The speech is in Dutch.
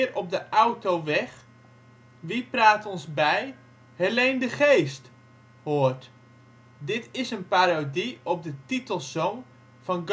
op de autoweg. Wie praat ons bij? Heleen de Geest! ' hoort. Dit is een parodie op de titelsong van